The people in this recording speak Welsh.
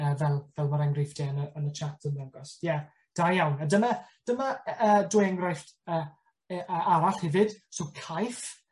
yy fel fel ma'r enghreifftie yn y yn y chat yn dangos. Ie, da iawn, a dyma dyma yy dwy enghraifft yy e- yy arall hefyd. So caiff